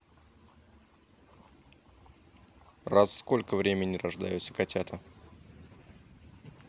раз сколько времени рождаются котята